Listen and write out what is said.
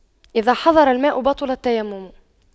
إذا حضر الماء بطل التيمم